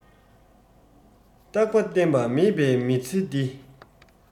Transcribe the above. རྟག པ བརྟན པ མེད པའི མི ཚེ འདི